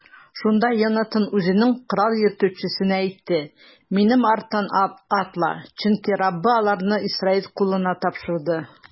Шунда Йонатан үзенең корал йөртүчесенә әйтте: минем арттан атла, чөнки Раббы аларны Исраил кулына тапшырды.